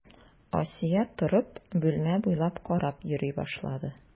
Асия торып, бүлмә буйлап карап йөри башлады.